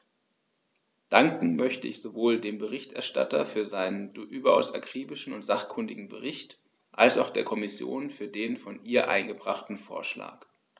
Danken möchte ich sowohl dem Berichterstatter für seinen überaus akribischen und sachkundigen Bericht als auch der Kommission für den von ihr eingebrachten Vorschlag.